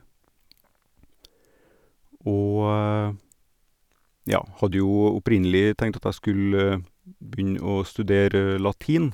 Og, ja, hadde jo opprinnelig tenkt at jeg skulle begynne å studere latin.